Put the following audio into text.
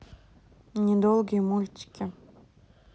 недолгие мультики